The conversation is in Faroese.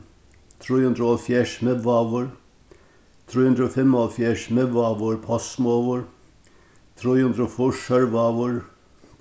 trý hundrað og hálvfjerðs miðvágur trý hundrað og fimmoghálvfjerðs miðvágur postsmogur trý hundrað og fýrs sørvágur